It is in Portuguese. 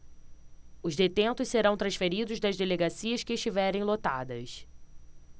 os detentos serão transferidos das delegacias que estiverem lotadas